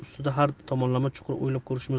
ustida har tomonlama chuqur o'ylab ko'rish lozim